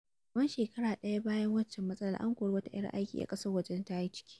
Kamar shekara ɗaya bayan waccan matsalar, an kori wata 'yar aiki 'yan ƙasar waje don ta yi ciki.